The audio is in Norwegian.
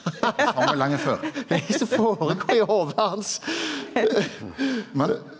kva er det som føregår i hovudet hans ?